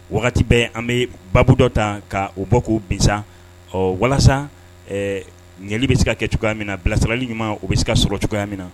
Wagati bɛɛ an bɛɛ baabu dɔ taa ka o bɔ k'o bin sa ɔ walasa ɛɛ ɲɛli bɛ se ka kɛ cogoya mina bilasirali ɲuman o bɛ se ka sɔrɔ cogoya min na